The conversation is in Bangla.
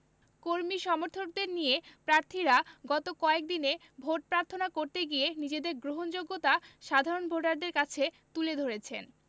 কর্মী সমর্থকদের নিয়ে প্রার্থীরা গত কয়েক দিনে ভোট প্রার্থনা করতে গিয়ে নিজেদের গ্রহণযোগ্যতা সাধারণ ভোটারদের কাছে তুলে ধরেছেন